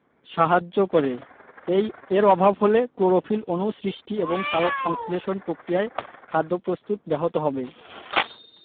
সাহায্য করে এর অভাব হলে ক্লোরোফিল অণু সৃষ্টি এবং সালোকসংশ্লেষণ প্রক্রিয়ায় খাদ্য প্রস্তুত ব্যাহত হবে